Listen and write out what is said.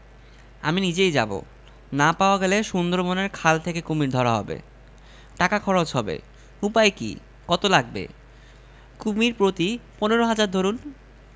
‘কুমীর পাবে কোথায় ঢাকার চিড়িয়াখানা থেকে ভাড়া নিয়ে আসব সিদ্দিক সাহেব বিস্মিত হয়ে বললেন 'ওরা কুমীর ভাড়া দেয় না কি জানি না না দেওয়ার তাে কোন কারণ নেই চেষ্টা করে দেখতে হবে